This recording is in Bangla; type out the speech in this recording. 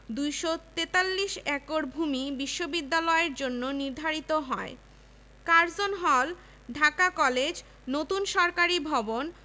সুতরাং ঢাকা ছাত্রসংখ্যার দিক থেকে মধ্যস্থান দখল করে আছে কমিশন নাথান কমিটির বেশির ভাগ সুপারিশের সঙ্গে একমত পোষণ করে